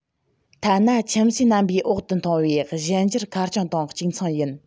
ཐ ན ཁྱིམ གསོས རྣམ པའི འོག ཏུ མཐོང བའི གཞན འགྱུར ཁེར རྐྱང དང གཅིག མཚུངས ཡིན